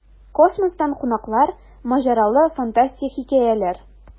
Космостан кунаклар: маҗаралы, фантастик хикәяләр.